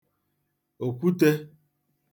òkwutē